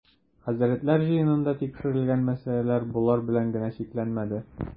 Хәзрәтләр җыенында тикшерел-гән мәсьәләләр болар белән генә чикләнмәде.